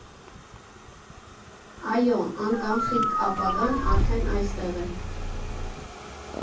Այո, անկանխիկ ապագան արդեն այստեղ է։